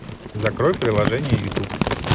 закрой приложение ютуб